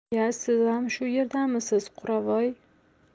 iya sizam shu yerdamisiz qoravoy